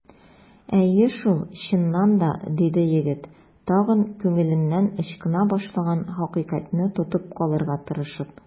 Әйе шул, чыннан да! - диде егет, тагын күңеленнән ычкына башлаган хакыйкатьне тотып калырга тырышып.